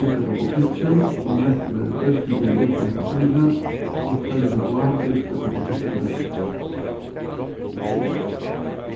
búskaparpolitikkin og mett verður eisini um útlitini fyri og tørvin á búskaparpolitikki í løtuni